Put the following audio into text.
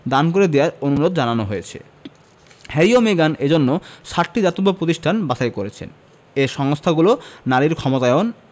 দান করে দেওয়ার অনুরোধ জানানো হয়েছে হ্যারি ও মেগান এ জন্য সাতটি দাতব্য প্রতিষ্ঠান বাছাই করেছেন এই সংস্থাগুলো নারীর ক্ষমতায়ন